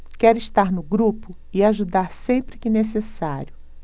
quero estar no grupo e ajudar sempre que necessário